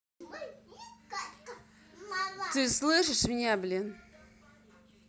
ты слышишь меня блин